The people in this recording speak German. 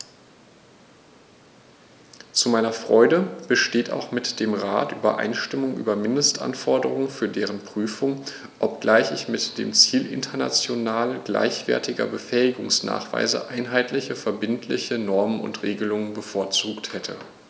Zu meiner Freude besteht auch mit dem Rat Übereinstimmung über Mindestanforderungen für deren Prüfung, obgleich ich mit dem Ziel international gleichwertiger Befähigungsnachweise einheitliche verbindliche Normen und Regelungen bevorzugt hätte.